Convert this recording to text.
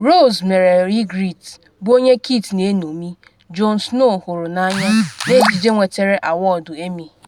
Rose mere Ygritte, bụ onye Kit na eṅomi, Jon Snow hụrụ n’anya, n’ejije nwetara awọdụ Emmy.